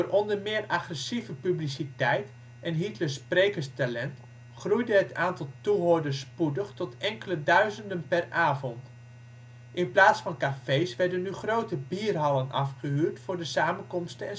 onder meer agressieve publiciteit en Hitlers sprekerstalent groeide het aantal toehoorders spoedig tot enkele duizenden per avond. In plaats van cafés werden nu grote bierhallen afgehuurd voor de samenkomsten